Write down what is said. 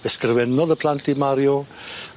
Ysgrifennodd y plant i Mario.